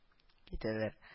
Китәләр